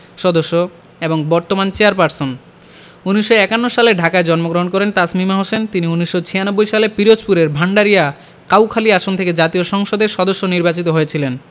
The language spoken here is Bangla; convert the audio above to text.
সদস্য এবং বর্তমান চেয়ারপারসন ১৯৫১ সালে ঢাকায় জন্মগ্রহণ করেন তাসমিমা হোসেন তিনি ১৯৯৬ সালে পিরোজপুরের ভাণ্ডারিয়া কাউখালী আসন থেকে জাতীয় সংসদের সদস্য নির্বাচিত হয়েছিলেন